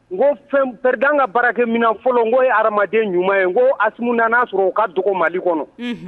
N ko fɛnpd ka baara min fɔlɔ n ko ye hadamaden ɲumanuma ye ko as'a sɔrɔ u ka dugawu malidi kɔnɔ